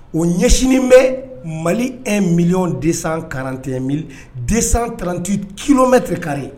O ɲɛsin bɛ mali e mi de kate mi de taranti kilomɛtɛ kari ye